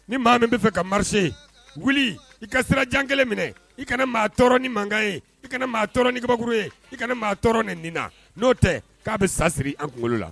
Ni maa min bɛ fɛ ka marcher wuli i ka sira jan 1 minɛ, i kana maa tɔɔrɔ ni mankan ye, i kana maa tɔɔrɔ ni kaba ye, i kana maa tɔɔrɔ nɛninin na, n'o tɛ k'a bɛ sa siri an kunkolo la!